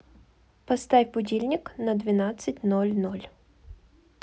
поставь будильник на двенадцать ноль ноль